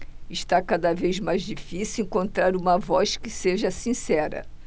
está cada vez mais difícil encontrar uma voz que seja sincera